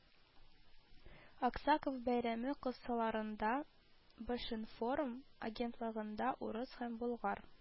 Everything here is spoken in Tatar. Аксаков бәйрәме кысаларында “Башинформ” агентлыгында урыс һәм болгар